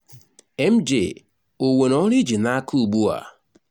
MJ: O nwere ọrụ ị ji n’aka ugbu a?